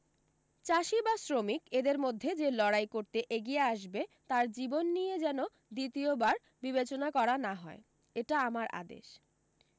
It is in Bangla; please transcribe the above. চাষী বা শ্রমিক এদের মধ্যে যে লড়াই করতে এগিয়ে আসবে তার জীবন নিয়ে যেন দ্বিতীয় বার বিবেচনা করা না হয় এটা আমার আদেশ